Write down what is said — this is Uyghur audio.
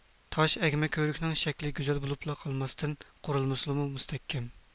ئاپتونوم رايونىمىزدىكى تۇنجى قوشكېزەك كلون موزاي ساغلام ئەي بولماقتا